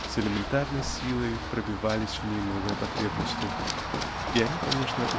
с элементарной силою пробивались в ней новые потребности -- и они конечно